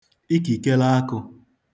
ikìkele akụ̄